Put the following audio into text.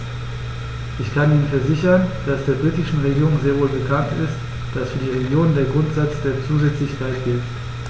Ich kann Ihnen versichern, dass der britischen Regierung sehr wohl bekannt ist, dass für die Regionen der Grundsatz der Zusätzlichkeit gilt.